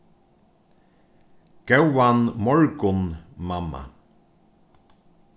góðan morgun mamma